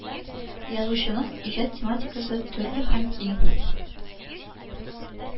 Язучының иҗат тематикасы төрле һәм киң